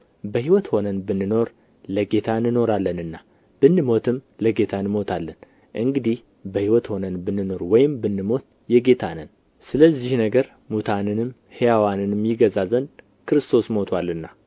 በሕይወት ሆነን ብንኖር ለጌታ እንኖራለንና ብንሞትም ለጌታ እንሞታለን እንግዲህ በሕይወት ሆነን ብንኖር ወይም ብንሞት የጌታ ነን ስለዚህ ነገር ሙታንንም ሕያዋንንም ይገዛ ዘንድ ክርስቶስ ሞቶአልና